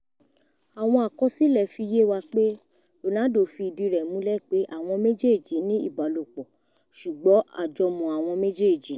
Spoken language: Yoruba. Àwọn àkọsílẹ̀ fi yé wa pé Ronaldo fi ìdí rẹ̀ múlẹ̀ pé àwọn méjèèjì ní ìbálòpọ̀, ṣùgbọ́n àjọ̀mọ̀àwọn méjèèjì ní.